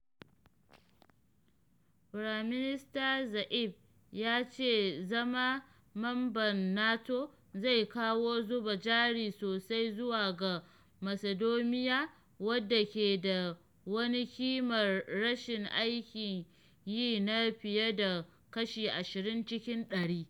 Firaminista Zaev ya ce zama mamban NATO zai kawo zuba jari sosai zuwa ga Macedonia, wadda ke da wani kimar rashin aikin yi na fiye da kashi 20 cikin ɗari.